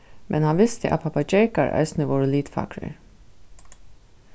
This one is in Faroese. men hann visti at pappageykar eisini vóru litfagrir